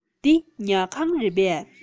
འདི ཉལ ཁང རེད པས